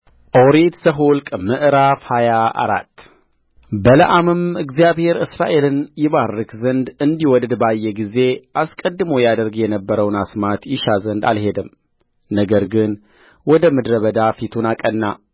ኦሪት ዘኍልቍ ምዕራፍ ሃያ አራት በለዓምም እግዚአብሔር እስራኤልን ይባርክ ዘንድ እንዲወድድ ባየ ጊዜ አስቀድሞ ያደርግ የነበረውን አስማት ይሻ ዘንድ አልሄደም ነገር ግን ወደ ምድረ በዳ ፊቱን አቀና